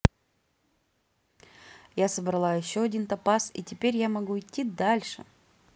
я собрала еще один топаз и теперь я могу идти дальше